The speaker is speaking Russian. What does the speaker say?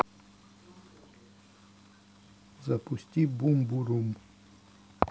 запусти бумбурум